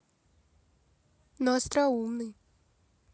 ну остороумный